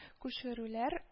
Күчерүләр